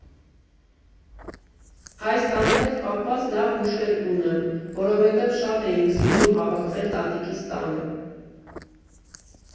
Այս տան հետ կապված լավ հուշեր ունեմ, որովհետև շատ էինք սիրում հավաքվել տատիկիս տանը։